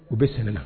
U bɛ sɛnɛ na